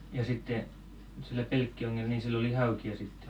ja sitten sillä pelkkiongella niin sillä oli haukia sitten